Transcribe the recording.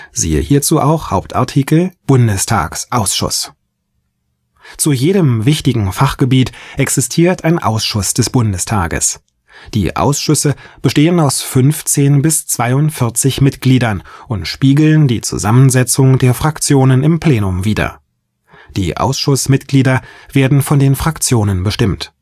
→ Hauptartikel: Bundestagsausschuss Zu jedem wichtigen Fachgebiet existiert ein Ausschuss des Bundestages. Die Ausschüsse bestehen aus 15 bis 42 Mitgliedern und spiegeln die Zusammensetzung der Fraktionen im Plenum wieder. Die Ausschussmitglieder werden von den Fraktionen bestimmt